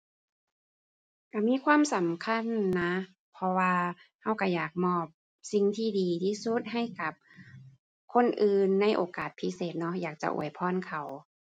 ก็มีความสำคัญนะ เพราะว่าก็ก็อยากมอบสิ่งที่ดีที่สุดให้กับคนอื่นในโอกาสพิเศษเนาะ อยากจะอวยพรเขา